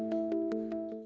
về